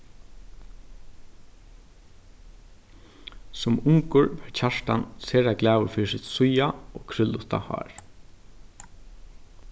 sum ungur var kjartan sera glaður fyri sítt síða og krúlluta hár